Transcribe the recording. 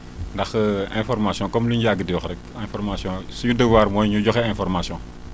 ndax information comme li ñu yàgg di wax rek information suñu devoir mooy ñu joxe information